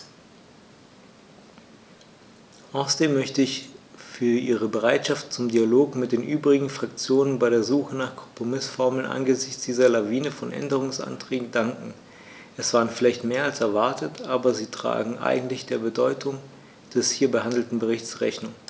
Außerdem möchte ich ihr für ihre Bereitschaft zum Dialog mit den übrigen Fraktionen bei der Suche nach Kompromißformeln angesichts dieser Lawine von Änderungsanträgen danken; es waren vielleicht mehr als erwartet, aber sie tragen eigentlich der Bedeutung des hier behandelten Berichts Rechnung.